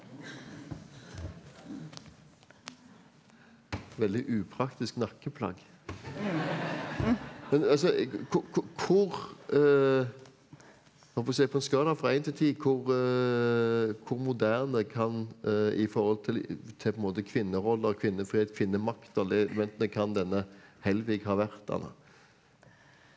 veldig upraktisk nakkeplagg men altså hvor holdt på å si på en skala fra èn til ti hvor hvor moderne kan i forhold til til på en måte kvinnerolla, kvinnefrihet, kvinnemakt alle de elementene kan denne Helvig ha vært Anna?